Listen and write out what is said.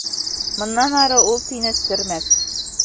Моннан ары ул сине сөрмәс.